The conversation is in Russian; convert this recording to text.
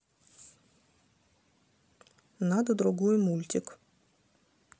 надо другой мультик